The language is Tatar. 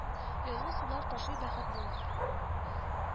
Язгы сулар ташый бәхет булып